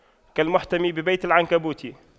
كالمحتمي ببيت العنكبوت